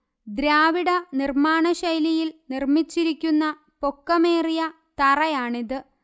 ദ്രാവിഡ നിർമ്മാണശൈലിയിൽ നിർമ്മിച്ചിരിക്കുന്ന പൊക്കമേറിയ തറയാണിത്